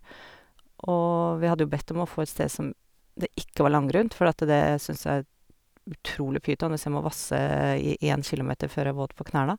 Og vi hadde jo bedt om å få et sted som det ikke var langgrunt, fordi at det syns jeg er utrolig pyton, hvis jeg må vasse i én kilometer før jeg er våt på knærne.